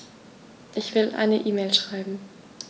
Ich will eine E-Mail schreiben.